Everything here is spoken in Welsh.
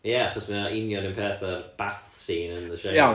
ia achos mae o union un peth a'r bath scene yn The Shining